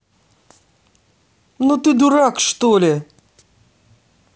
ну ты дурак или что